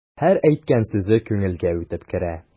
Һәр әйткән сүзе күңелгә үтеп керә.